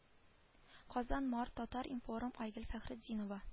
-- казан март татар-информ айгөл фәхретдинова